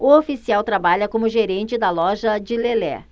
o oficial trabalha como gerente da loja de lelé